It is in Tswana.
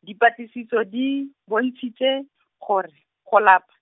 dipatlisiso di, bontshitse, gore, go lapa,